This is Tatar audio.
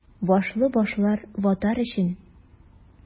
Башлы башлар — ватар өчен!